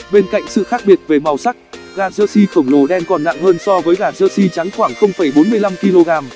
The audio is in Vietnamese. bên cạnh sự khác biệt về màu sắc gà jersey khổng lồ đen còn nặng hơn so với gà jersey trắng khoảng kg